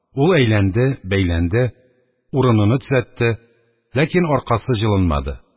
Ул әйләнде-бәйләнде, урыныны төзәтте, ләкин аркасы җылынмады.